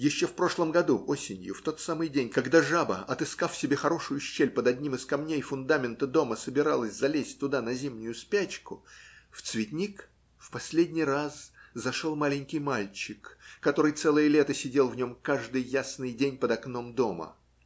Еще в прошлом году осенью, в тот самый день, когда жаба, отыскав себе хорошую щель под одним из камней фундамента дома, собиралась залезть туда на зимнюю спячку, в цветник в последний раз зашел маленький мальчик, который целое лето сидел в нем каждый ясный день под окном дома.